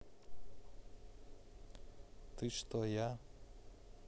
ты что я